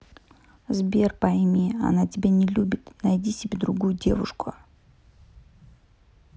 сбер пойми она тебя не любит найди себе другую девушку